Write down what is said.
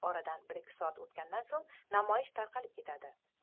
oradan bir ikki soat o'tgandan so'ng namoyish tarqalib ketadi